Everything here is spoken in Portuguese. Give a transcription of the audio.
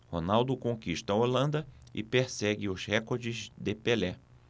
ronaldo conquista a holanda e persegue os recordes de pelé